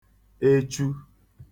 eechu